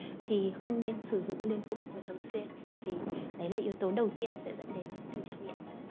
thì không nên sử dụng thường xuyên vì đó là yếu tố đầu tiên dẫn tới tình trạng nghiện